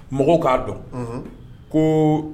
Mɔgɔw k'a dɔn ko